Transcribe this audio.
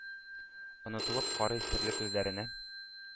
Онытылып карый серле күзләренә.